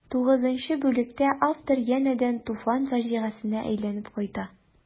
Тугызынчы бүлектә автор янәдән Туфан фаҗигасенә әйләнеп кайта.